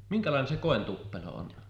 minkälainen se kointuppelo on